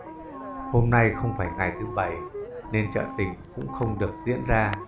hôm nay không phải ngày thứ nên chợ tình không được diễn ra